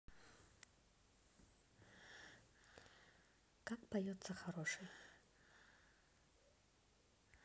как поется хороший